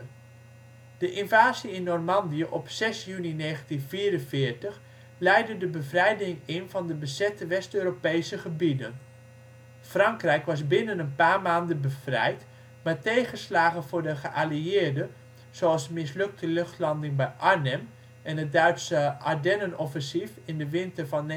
De invasie in Normandië op 6 juni 1944 leidde de bevrijding in van de bezette West-Europese gebieden. Frankrijk was binnen een paar maanden bevrijd, maar tegenslagen voor de geallieerden zoals de mislukte luchtlanding bij Arnhem en het Duitse Ardennenoffensief in de winter van